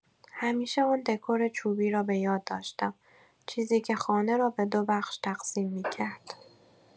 همیشه آن دکور چوبی را بۀاد داشتم، چیزی که خانه را به دوبخش تقسیم می‌کرد.